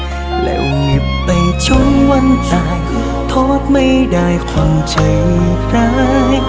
rồi lặng người đến vô tận trách sao được sự tàn nhẫn